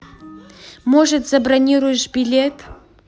может забронируешь билет